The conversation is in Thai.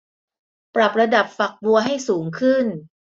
ปรับระดับฝักบัวให้สูงขึ้น